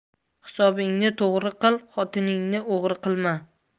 hisobingni to'g'ri qil xotiningni o'g'ri qilma